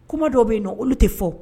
Kuma dɔw bɛ yen nɔn olu tɛ fɔ